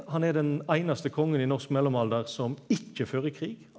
han er den einaste kongen i norsk mellomalder som ikkje fører krig.